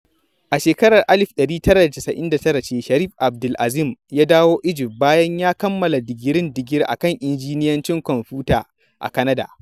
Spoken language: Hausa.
A shekarar 1999 ce Sharif Abdel-Azim ya dawo Egypt bayan ya kammala digirin digirgir a kan Injinyancin Kwamfuta a Canada.